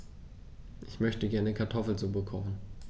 Ich möchte gerne Kartoffelsuppe kochen.